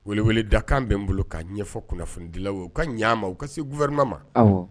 Weleeleele dakan bɛ n bolo k kaa ɲɛfɔ kunnafonidilaw u ka ɲaaama u ka se gu wɛrɛrma ma